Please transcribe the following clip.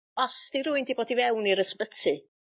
...os di rywun 'di bod i fewn i'r ysbyty